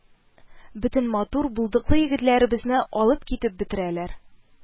Бөтен матур, булдыклы егетләребезне алып китеп бетерәләр